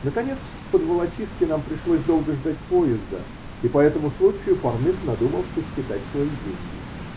Наконец, в Подволочиске нам пришлось долго ждать поезда, и по этому случаю Парных надумал сосчитать свои деньги.